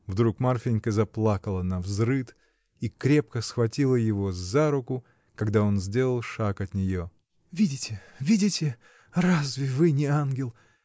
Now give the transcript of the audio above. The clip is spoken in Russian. Вдруг Марфинька заплакала навзрыд и крепко схватила его за руку, когда он сделал шаг от нее. — Видите, видите! разве вы не ангел!